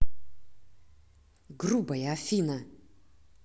грубая афина